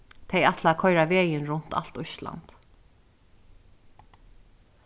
tey ætla at koyra vegin runt alt ísland